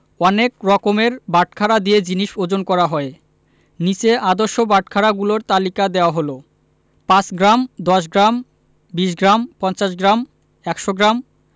অনেক রকমের বাটখারা দিয়ে জিনিস ওজন করা হয় নিচে আদর্শ বাটখারাগুলোর তালিকা দেয়া হলঃ ৫ গ্রাম ১০গ্ৰাম ২০ গ্রাম ৫০ গ্রাম ১০০ গ্রাম